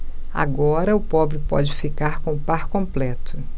agora o pobre pode ficar com o par completo